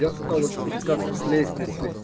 Я стала спускаться с лестницы.